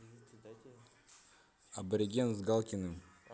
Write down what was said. абориген с галкиным